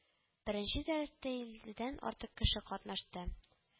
Беренче дәрестә илледән артык кеше катнашты